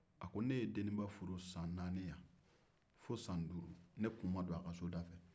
a ko ne deninba furu san naani yan fo san duuru ne kun ma don a ka bonda fɛ